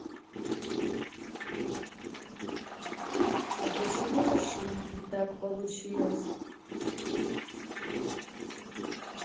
а почему машинки так получилось